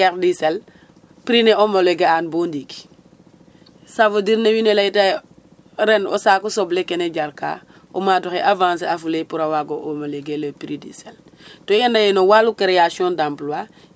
I nanafulee la filière du sel prix ne homologuer an boo ndik ça veut dire ne wiin we layata yee ren o saaku soble kene jarka o maad oxe avancer a fule pur a waag o homologuer les prix du sel :frq to i anda ye no walum création d emploie